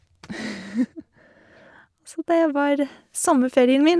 Så det var sommerferien min.